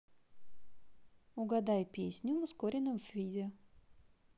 угадай песню в ускоренном виде